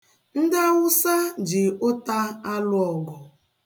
Ndị Awụsa ji ụta alụ ọgụ.